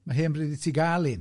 Ma'n hen bryd i ti gael un.